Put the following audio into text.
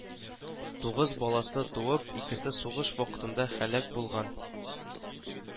Тугыз баласы туып, икесе сугыш вакытында һәлак булган